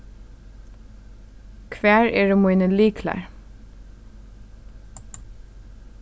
hvar eru mínir lyklar